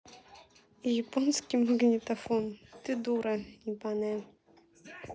японский магнитофон ты дура ибанная